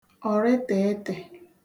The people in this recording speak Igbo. ọ̀rịtịịtịị̀